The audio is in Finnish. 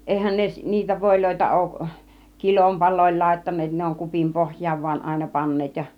eihän ne niitä voita ole kilonpaloilla laittaneet ne on kupin pohjaan vain aina panneet ja